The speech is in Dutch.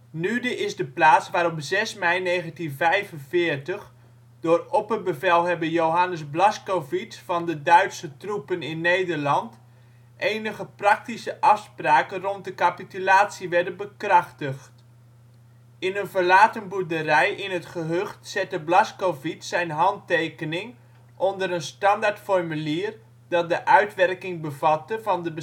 Nude is de plaats waar op 6 mei 1945 door opperbevelhebber Johannes Blaskowitz van de Duitse troepen in Nederland enige praktische afspraken rond de capitulatie werden bekrachtigd. In een verlaten boerderij in het gehucht zette Blaskowitz zijn handtekening onder een standaardformulier dat de uitwerking bevatte van de